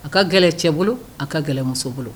A ka gɛlɛn kɛlɛcɛ bolo a ka gɛlɛnmuso bolo